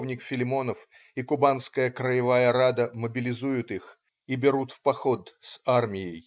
Филимонов и Кубанская краевая рада мобилизуют их и берут в поход с армией.